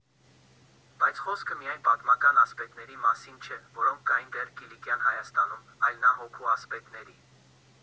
Բայց խոսքը միայն պատմական ասպետների մասին չէ (որոնք կային դեռ Կիլիկյան Հայաստանում), այլ նաև հոգու ասպետների։